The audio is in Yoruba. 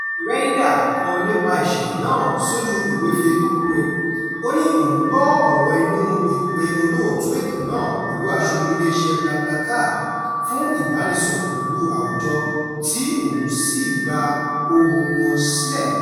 Reyder kọ nípa ìṣẹ̀lẹ̀ náà sójú ìwé Facebook rẹ̀. Ó ní òun gbọ́ ọ̀rọ̀ inú ìpè olóòtú ètò náà pẹ̀lú aṣojú ilé iṣẹ́ BlaBlaCar fún ìbánisọ̀rọ̀ pẹ̀lú àwùjọ tí òun sì gba ohùn-un wọn sílẹ̀: